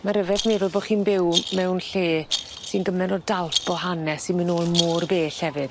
Ma' ryfedd meddwl bo' chi'n byw mewn lle sy'n gyment o dalp o hanes sy'n myn' nôl mor bell hefyd.